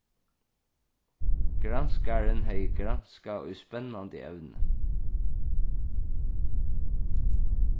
granskarin hevði granskað í spennandi evni